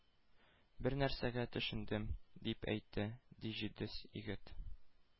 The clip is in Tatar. Бернәрсәгә төшендем, — дип әйтте, ди, җитез егет.